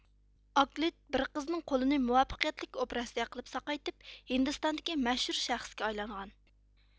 ئاكلىت بىر قىزنىڭ قولىنى مۇۋەپپەقىيەتلىك ئوپراتسىيە قىلىپ ساقايتىپ ھىندىستاندىكى مەشھۇر شەخسكە ئايلانغان